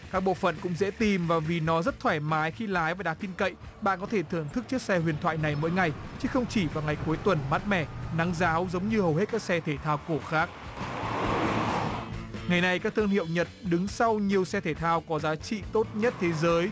các bộ phận cũng dễ tìm và vì nó rất thoải mái khi lái và đáng tin cậy bạn có thể thưởng thức chiếc xe huyền thoại này mỗi ngày chứ không chỉ vào ngày cuối tuần mát mẻ nắng ráo giống như hầu hết các xe thể thao cổ khác ngày nay các thương hiệu nhật đứng sau nhiều xe thể thao có giá trị tốt nhất thế giới